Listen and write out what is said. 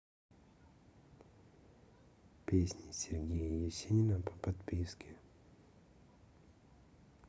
песни сергея есенина по подписке